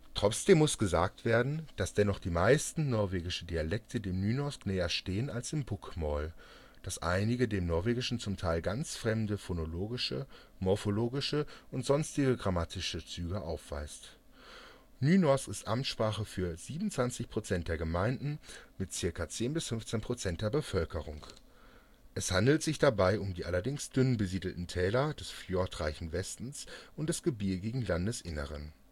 Trotzdem muss gesagt werden, dass dennoch die meisten norwegischen Dialekte dem Nynorsk näher stehen als dem Bokmål, das einige dem Norwegischen zum Teil ganz fremde phonologische, morphologische und sonstige grammatische Züge aufweist. Nynorsk ist Amtssprache für 27 Prozent der Gemeinden mit ca. 10-15 % der Bevölkerung. Es handelt sich dabei um die allerdings dünn besiedelten Täler des fjordreichen Westens und des gebirgigen Landesinnern